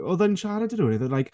Oedd e'n siarad i rywun oedd e like...